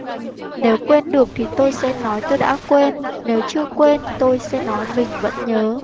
nếu quên được thì tôi sẽ nói tôi đã quên nếu chưa quên tôi sẽ nói mình vẫn nhớ